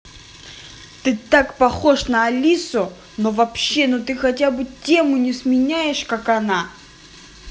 ты так похож на алису но вообще ну ты хотя бы тему не сменяешь как она